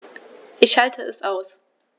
Ich schalte es aus.